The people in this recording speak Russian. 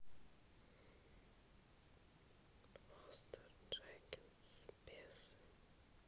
фостер дженкинс бесы